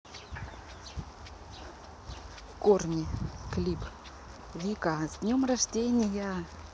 корни клип вика с днем рождения